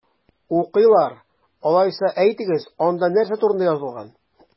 Укыйлар! Алайса, әйтегез, анда нәрсә турында язылган?